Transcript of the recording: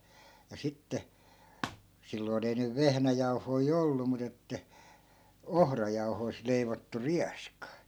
ja sitten silloin ei nyt vehnäjauhoja ollut mutta että ohrajauhoista leivottu rieska